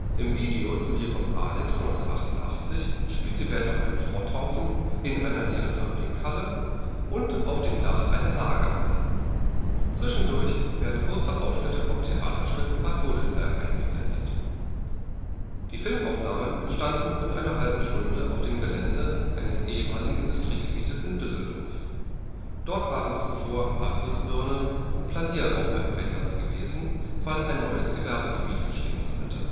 Im Video zu Hier kommt Alex von 1988 spielt die Band auf einem Schrotthaufen, in einer leeren Fabrikhalle und auf dem Dach einer Lagerhalle. Zwischendurch werden kurze Ausschnitte vom Theaterstück in Bad Godesberg eingeblendet. Die Filmaufnahmen entstanden in einer halben Stunde auf dem Gelände eines ehemaligen Industriegebietes in Düsseldorf. Dort waren zuvor Abrissbirne und Planierraupe im Einsatz gewesen, weil ein neues Gewerbegebiet entstehen sollte